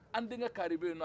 an denkɛ kaari bɛ yen